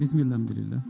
bsimilla alahamdulillah